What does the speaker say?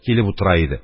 Килеп утыра иде.